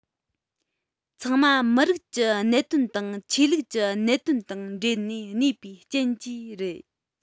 ཚང མ མི རིགས ཀྱི གནད དོན དང ཆོས ལུགས ཀྱི གནད དོན དང འདྲེས ནས གནས པའི རྐྱེན གྱི རེད